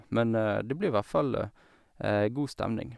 Men det blir hvert fall god stemning.